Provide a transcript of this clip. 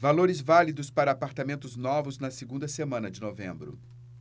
valores válidos para apartamentos novos na segunda semana de novembro